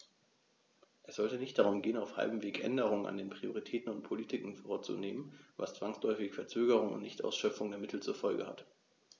Es sollte nicht darum gehen, auf halbem Wege Änderungen an den Prioritäten und Politiken vorzunehmen, was zwangsläufig Verzögerungen und Nichtausschöpfung der Mittel zur Folge hat.